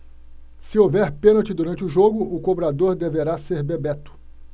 se houver pênalti durante o jogo o cobrador deverá ser bebeto